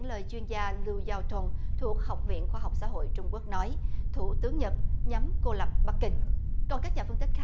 lời chuyên gia lưu giao thông thuộc học viện khoa học xã hội trung quốc nói thủ tướng nhật nhắm cô lập bắc kinh còn các nhà phân tích khác